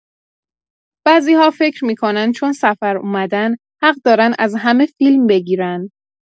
بعضی‌ها فکر می‌کنن چون سفر اومدن، حق دارن از همه فیلم بگیرن.